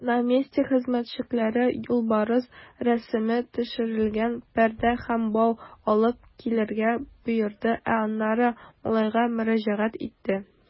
Наместник хезмәтчеләргә юлбарыс рәсеме төшерелгән пәрдә һәм бау алып килергә боерды, ә аннары малайга мөрәҗәгать итте.